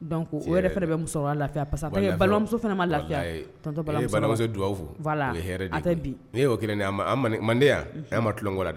Lafi lafi y'o kelen manden yan ma tulonko la dɛ